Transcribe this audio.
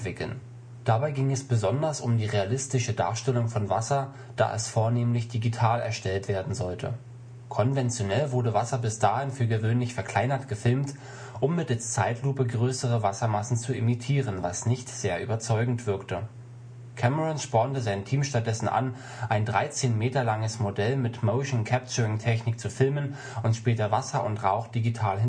Dabei ging es besonders um die realistische Darstellung von Wasser, da es vornehmlich digital erstellt werden sollte. Konventionell wurde Wasser bis dahin für gewöhnlich verkleinert gefilmt, um mittels Zeitlupe größere Wassermassen zu imitieren, was nicht sehr überzeugend wirkte. Cameron spornte sein Team stattdessen an, ein 13 Meter langes Modell mit Motion-Capturing-Technik zu filmen und später Wasser und Rauch digital hinzuzufügen